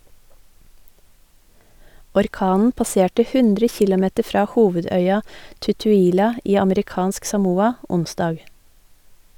Orkanen passerte 100 kilometer fra hovedøya Tutuila i Amerikansk Samoa onsdag.